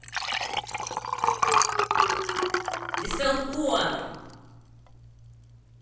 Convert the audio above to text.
бестолковый